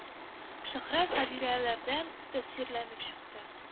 Шөһрәт Гадиләләрдән тәэсирләнеп чыкты